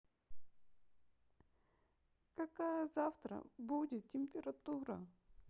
какая завтра будет температура